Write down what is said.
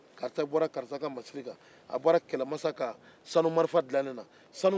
karisa bɔra karisa ka masiri kan a bɔra kɛlɛmasa ka sanumarifa dilalen kan